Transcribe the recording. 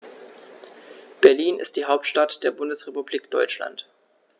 Berlin ist die Hauptstadt der Bundesrepublik Deutschland.